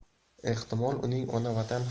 ehtimol uning ona vatan